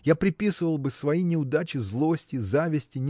я приписывал бы свои неудачи злости зависти